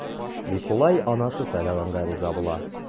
Микулай анасы сайлаганга риза була.